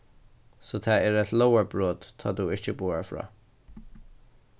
so tað er eitt lógarbrot tá tú ikki boðar frá